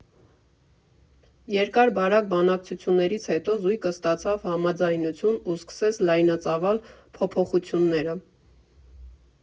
Երկար֊բարակ բանակցություններից հետո զույգը ստացավ համաձայնությունն ու սկսեց լայնածավալ փոփոխությունները։